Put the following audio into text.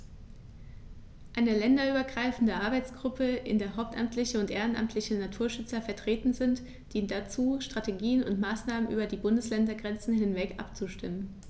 Eine länderübergreifende Arbeitsgruppe, in der hauptamtliche und ehrenamtliche Naturschützer vertreten sind, dient dazu, Strategien und Maßnahmen über die Bundesländergrenzen hinweg abzustimmen.